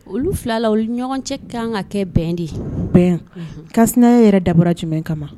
Olu 2 la ɲɔgɔn cɛ ka kan ka kɛ bɛn de , bɛn, kansinaya yɛrɛ dabɔra jumɛn de kama?